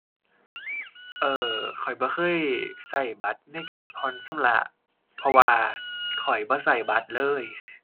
เอ่อ ข้อยบ่เคยใช้บัตรในการผ่อนชำระ เพราะว่าข้อยบ่ใช้บัตรเลย